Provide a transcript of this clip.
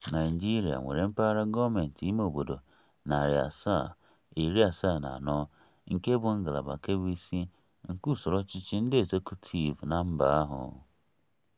Naịjirịa nwere mpaghara gọọmentị ime obodo 774, nke bụ ngalaba kebụisi nke usoro ọchịchị ndị ezekutiivu na mba ahụ.